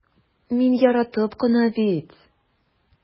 Мин яратып кына бит...